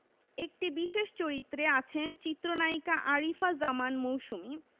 একটি বিশেষ চরিত্রে আছেন চিত্রনায়িকা আরিফা জামান মৌসুমী